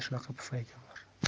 shunaqa pufayka bor